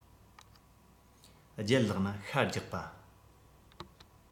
ལྗད ལགས ནི ཤ རྒྱགས པ